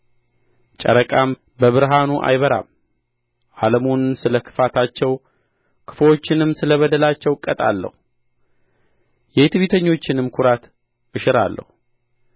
ጨረቃም በብርሃኑ አያበራም ዓለሙን ስለ ክፋታቸው ክፉዎቹንም ስለ በደላቸው እቀጣለሁ የትዕቢተኞችንም ኵራት አዋርዳለሁ